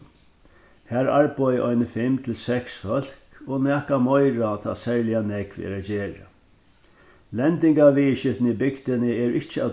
har arbeiða eini fimm til seks fólk og nakað meira tá serliga nógv er at gera lendingarviðurskiftini í bygdini eru ikki av